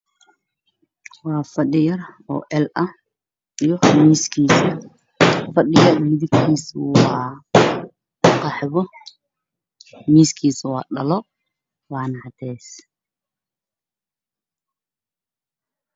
Waa fadhi io miis fadhiga midabkis waa qaxwi miiskan waa dhalo wana cades